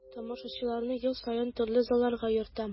Тамашачыларны ел саен төрле залларга йөртәм.